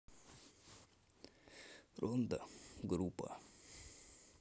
рондо группа